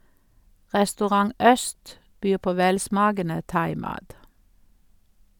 Restaurant Øst byr på velsmakende thaimat.